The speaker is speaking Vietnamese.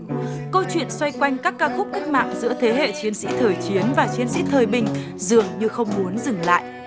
câu chuyện xoay quanh các ca khúc cách mạng giữa thế hệ chiến sĩ thời chiến và chiến sĩ thời bình dường như không muốn dừng lại